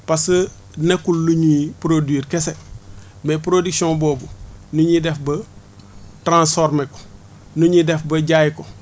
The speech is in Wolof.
parce que nekkul lu ñuy produire kese mais production boobu nu ñuy def ba transformer nu ñuy def ba jaay ko